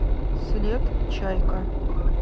след чайка